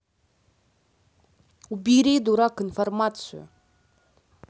убери дурак информация